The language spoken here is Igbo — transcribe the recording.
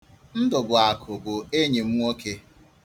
Ndụ̀bụ̀àkụ̀ bụ enyi m nwoke.